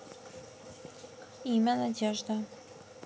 имя надежда